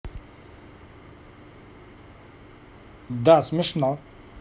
да смешно